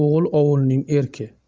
o'g'il ovulning erki